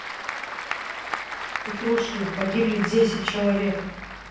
петрушина погибли десять человек